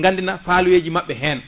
gandina faaloyeji maɓɓe hen